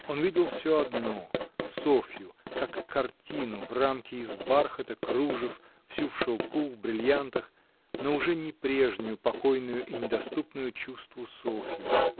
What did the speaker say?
Он видел всё одно — Софью, как картину в рамке из бархата, кружев, всю в шелку, в бриллиантах, но уже не прежнюю покойную и недоступную чувству Софью.